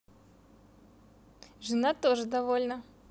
жена тоже довольна